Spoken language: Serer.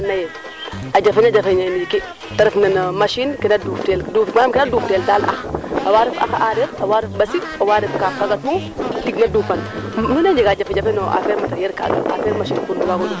kuna xij la no ndiing wara taaan mo an kuna ñootna no ndiing wara taan mo an kaaga taxu bo mifa xoxes leyiim teeno leŋo caxaaam ɓis machine na mbaa machine na nangam